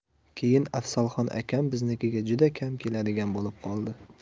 keyin afzalxon akam biznikiga juda kam keladigan bo'lib qoldi